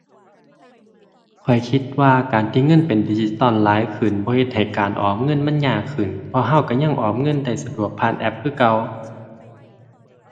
ข้อยคิดว่าการที่เงินเป็นดิจิทัลหลายขึ้นบ่เฮ็ดให้การออมเงินมันยากขึ้น เพราะเราเรายังออมเงินได้สะดวกผ่านแอปคือเก่า